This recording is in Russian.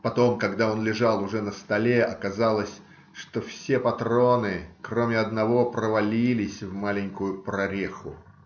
потом, когда он лежал уже на столе, оказалось, что все патроны, кроме одного, провалились в маленькую прореху.